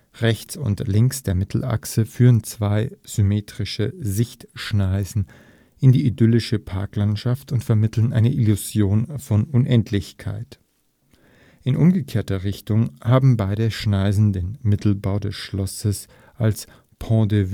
Rechts und links der Mittelachse führen zwei symmetrische Sichtschneisen in die idyllische Parklandschaft und vermitteln eine Illusion von Unendlichkeit. In umgekehrter Richtung haben beide Schneisen den Mittelbau des Schlosses als point de